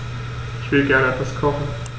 Ich will gerne etwas kochen.